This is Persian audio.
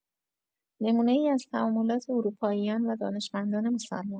نمونه‌ای از تعاملات اروپاییان و دانشمندان مسلمان